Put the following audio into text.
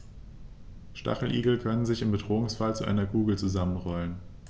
Stacheligel können sich im Bedrohungsfall zu einer Kugel zusammenrollen.